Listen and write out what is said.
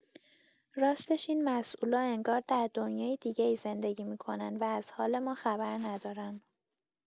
راستش این مسئولا انگار در دنیای دیگه‌ای زندگی می‌کنن و از حال ما خبر ندارن.